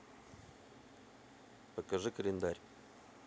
покажи календарь